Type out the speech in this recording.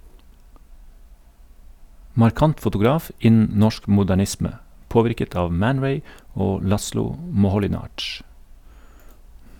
Markant fotograf innen norsk modernisme, påvirket av Man Ray og Laszlo Moholy-Nagy.